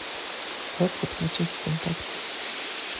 как подключить вконтакте